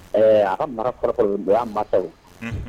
Ɛɛ A ka mara fɔlɔ fɔlɔ, o y'a mansa ye.